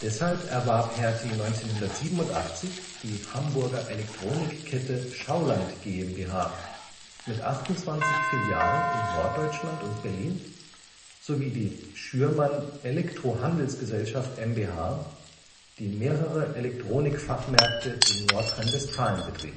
Deshalb erwarb Hertie 1987 die Hamburger Elektronik-Kette „ Schaulandt GmbH “mit 28 Filialen in Norddeutschland und Berlin sowie die „ Schürmann Elektrohandelsgesellschaft mbH “, die mehrere Elektronik-Fachmärkte in Nordrhein-Westfalen betrieb